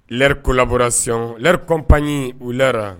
Lɛrekolabɔrasi re kɔnp u lara